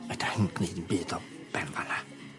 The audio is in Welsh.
Fedrai'm gneud dim byd o ben fan'na.